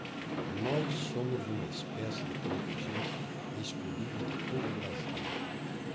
nós somos uma espécie de contingente escolhido do povo brasileiro